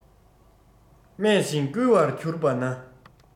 སྨྲས ཤིང བསྐུལ བར གྱུར པ ན